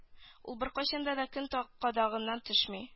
Ул беркайчан да көн кадагыннан төшми